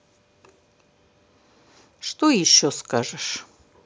что еще скажешь